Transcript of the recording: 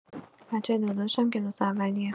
بچه داداشم کلاس اولیه.